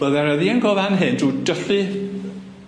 ddianc o fan hyn drw dyllu